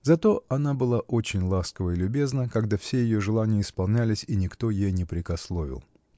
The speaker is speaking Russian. зато она была очень ласкова и любезна, когда все ее желания исполнялись и никто ей не прекословил.